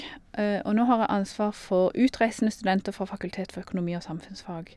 Og nå har jeg ansvar for utreisende studenter fra Fakultet for økonomi og samfunnsfag.